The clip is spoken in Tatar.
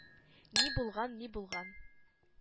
-ни булган, ни булган...